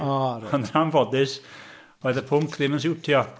O reit... Yn anffodus, oedd y pwnc ddim yn siwtio.